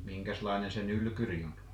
minkäslainen se nylkyri on